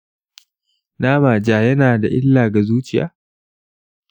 nama ja yana da illa ga zuciya?